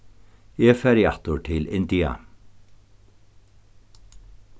eg fari aftur til india